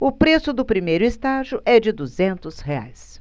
o preço do primeiro estágio é de duzentos reais